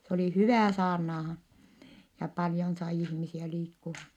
se oli hyvä saarnaamaan ja paljon sai ihmisiä liikkumaan